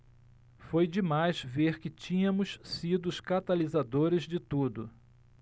foi demais ver que tínhamos sido os catalisadores de tudo